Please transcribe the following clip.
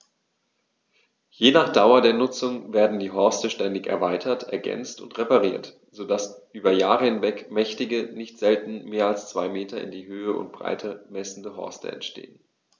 Je nach Dauer der Nutzung werden die Horste ständig erweitert, ergänzt und repariert, so dass über Jahre hinweg mächtige, nicht selten mehr als zwei Meter in Höhe und Breite messende Horste entstehen.